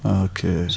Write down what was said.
ah ok